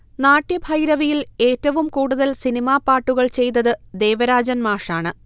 നാട്യഭൈരവിയിൽ ഏറ്റവും കൂടുതൽ സിനിമാ പാട്ടുകൾ ചെയ്തത് ദേവരാജൻ മാഷാണ്